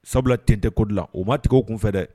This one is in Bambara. Sabula ten tɛ ko gilan o ma tigɛ u kun fɛ dɛ.